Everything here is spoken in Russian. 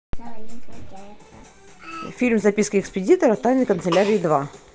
фильм записки экспедитора тайной канцелярии два